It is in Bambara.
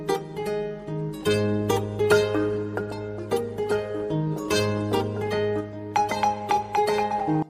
Maa